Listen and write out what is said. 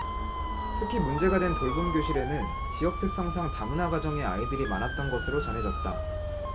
특히 문제가 된 돌봄교실에는 지역 특성상 다문화 가정의 아이들이 많았던 것으로 전해졌다